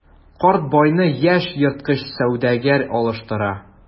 Карт байны яшь ерткыч сәүдәгәр алыштыра.